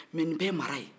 mɛ nin bɛɛ ye mara ye